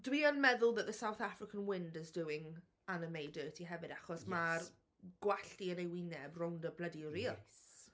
Dwi yn meddwl that the South African wind is doing Anna May dirty hefyd, achos mae'r gwallt hi yn ei wyneb rownd y blydi rîl.